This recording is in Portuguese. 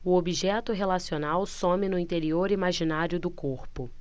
o objeto relacional some no interior imaginário do corpo